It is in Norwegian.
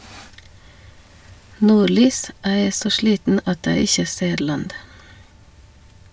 Nordlys, æ e så sliten at æ ikkje ser land.